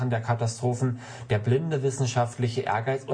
blinde wissenschaftliche Ehrgeiz